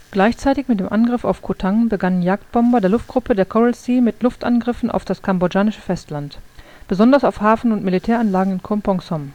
Gleichzeitig mit dem Angriff auf Koh Tang begannen Jagdbomber der Luftgruppe der Coral Sea mit Luftangriffen auf das kambodschanische Festland, besonders auf Hafen - und Militäranlagen in Kompong Som